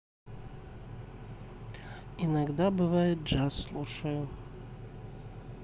иногда бывает джаз слушаю